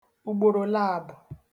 ùgbòrò laàbụ̀